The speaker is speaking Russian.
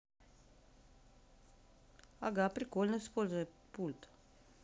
ага прикольно используя пульт